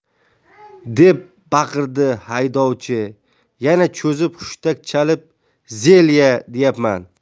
deb baqirdi haydovchi yana cho'zib hushtak chalib zelya deyapman